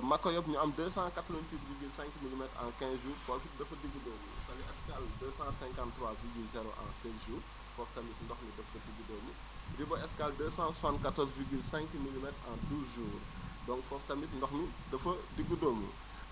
Makka Yob ñu am 288 virgule 5 milimètre en 15 jours foofu it dafa diggudóomu Saly Escale 253 virgule 0 en 16 jours foofu tamit ndox mi dafa diggudóomu Rivo Escale 274 virgule 5 milimètres en 1é jours donc foofu tamit ndox mi dafa diggudóomu